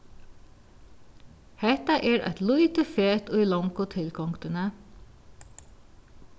hetta er eitt lítið fet í longu tilgongdini